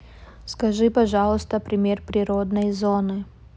скажи пожалуйста пример природной зоны